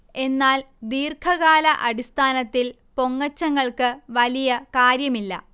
എന്നാൽ ദീർഘകാല അടിസ്ഥാനത്തിൽ പൊങ്ങച്ചങ്ങൾക്ക് വലിയ കാര്യമില്ല